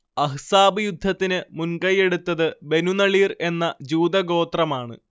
അഹ്‌സാബ് യുദ്ധത്തിന് മുൻകൈയ്യെടുത്തത് ബനുനളീർ എന്ന ജൂതഗോത്രമാണ്